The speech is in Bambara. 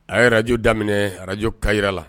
A ye arajo da arajo kay jirara la